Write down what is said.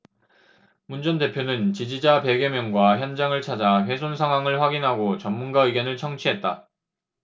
문 전 대표는 지지자 백 여명과 현장을 찾아 훼손 상황을 확인하고 전문가 의견을 청취했다